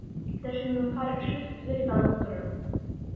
Иптәшеңнең һәр эше, сүзе ризалык тудырыр.